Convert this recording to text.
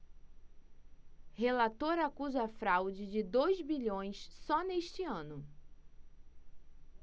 relator acusa fraude de dois bilhões só neste ano